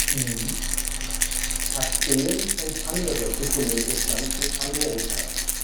I: Kakteen und andere sukkulente Pflanzen Amerikas